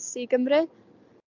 Gymru.